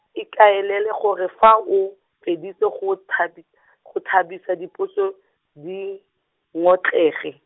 ikaelele gore fa o, feditse go thabi- , go thabisa dipotso, di, ngotlege.